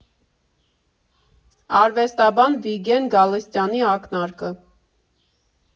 Արվեստաբան Վիգեն Գալստյանի ակնարկը։